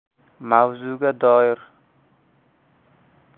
mavzuga doir